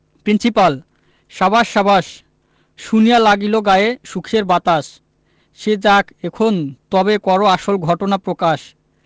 principal সাবাস সাবাস শুনিয়া লাগিল গায়ে সুখের বাতাস সে যাক এখন তবে করো আসল ঘটনা প্রকাশ